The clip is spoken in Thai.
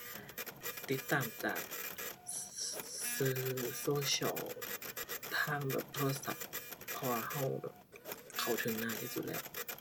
ติดตามจากสื่อโซเชียลทางแบบโทรศัพท์ เพราะว่าเราแบบเข้าถึงง่ายที่สุดแล้ว